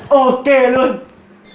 ô kê luôn